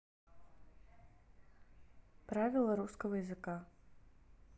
правила русского языка